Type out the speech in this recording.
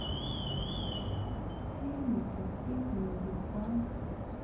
фильмы про средние века